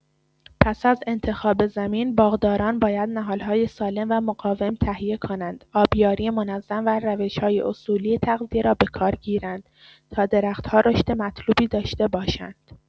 پس از انتخاب زمین، باغداران باید نهال‌های سالم و مقاوم تهیه کنند، آبیاری منظم و روش‌های اصولی تغذیه را به کار گیرند تا درخت‌ها رشد مطلوبی داشته باشند.